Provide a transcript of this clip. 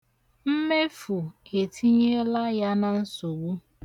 Mmefu etinyela ya na nsogbu.